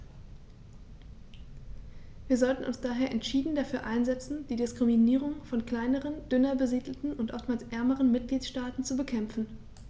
Wir sollten uns daher entschieden dafür einsetzen, die Diskriminierung von kleineren, dünner besiedelten und oftmals ärmeren Mitgliedstaaten zu bekämpfen.